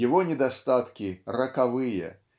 его недостатки -- роковые